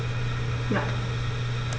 Ja.